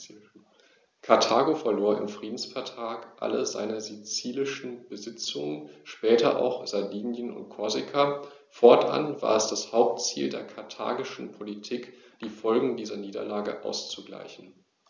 Karthago verlor im Friedensvertrag alle seine sizilischen Besitzungen (später auch Sardinien und Korsika); fortan war es das Hauptziel der karthagischen Politik, die Folgen dieser Niederlage auszugleichen.